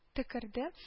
Төкерде